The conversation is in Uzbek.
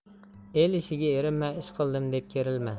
el ishiga erinma ish qildim deb kerilma